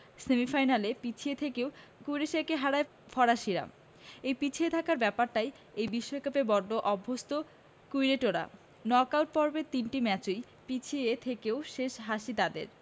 সেমিফাইনালে পিছিয়ে থেকেও ক্রোয়েশিয়াকে হারায় ফরাসিরা এই পিছিয়ে থাকার ব্যাপারটায় এই বিশ্বকাপে বড্ড অভ্যস্ত ক্রোয়াটরা নক আউট পর্বের তিনটি ম্যাচই পিছিয়ে থেকেও শেষ হাসি তাদের